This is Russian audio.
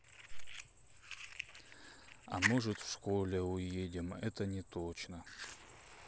а может в школе уедем это не точно